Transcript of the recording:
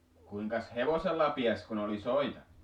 kuinkas hevosella pääsi kun oli soita